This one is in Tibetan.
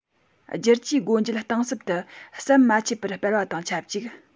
བསྒྱུར བཅོས སྒོ འབྱེད གཏིང ཟབ ཏུ ཟམ མ ཆད པར སྤེལ བ དང ཆབས ཅིག